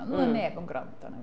Ond oedd 'na neb yn gwrando arna fi.